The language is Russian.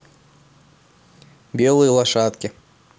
белые лошадки